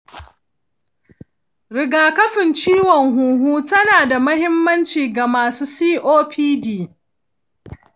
rigakafin ciwon huhu tana da muhimmanci ga masu copd.